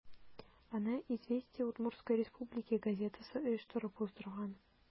Аны «Известия Удмуртсткой Республики» газетасы оештырып уздырган.